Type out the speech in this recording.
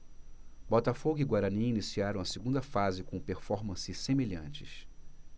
botafogo e guarani iniciaram a segunda fase com performances semelhantes